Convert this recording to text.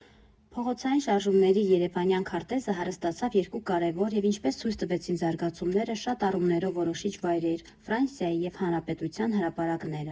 Փողոցային շարժումների երևանյան քարտեզը հարստացավ երկու կարևոր և, ինչպես ցույց տվեցին զարգացումները, շատ առումներով որոշիչ վայրեր՝ Ֆրանսիայի և Հանրապետության հրապարակները։